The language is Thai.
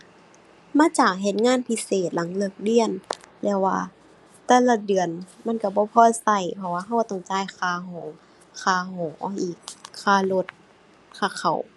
มาจากเฮ็ดงานพิเศษหลังเลิกเรียน แต่ว่าแต่ละเดือนมันก็บ่พอก็ เพราะว่าก็ก็ต้องจ่ายค่าห้อง ค่าหออีก ค่ารถ ค่าข้าว